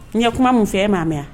N ye kuma min fɛ ye maa mɛn